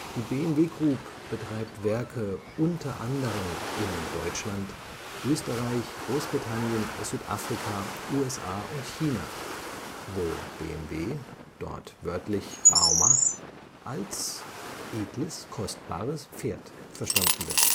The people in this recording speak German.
Die BMW Group betreibt Werke in Deutschland, Österreich, Großbritannien, Südafrika, USA und China, wo BMW (wörtlich „ Bao-Ma “) als „ edles kostbares Pferd “verstanden wird